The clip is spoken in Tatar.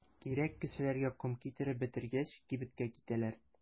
Кирәк кешеләргә ком китереп бетергәч, кибеткә китәләр.